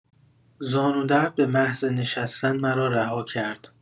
زانودرد به محض نشستن مرا رها کرد.